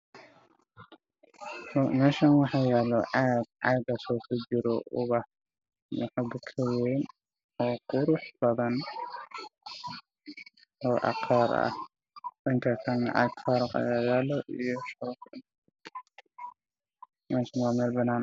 Meeshaan waxaa yaalo caag caagaas waxaa ku jiro ubax moxoga ka wayn oo qurux badan oo cagaar ah dhanka kalane caag faaruq ah ayaa yaalo meeshane waa meel banaan ah